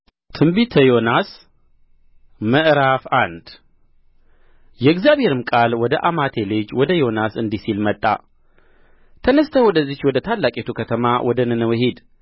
ትንቢተ ዮናስ ምዕራፍ አንድ የእግዚአብሔርም ቃል ወደ አማቴ ልጅ ወደ ዮናስ እንዲህ ሲል መጣ ተነሥተህ ወደዚያች ወደ ታላቂቱ ከተማ ወደ ነነዌ ሂድ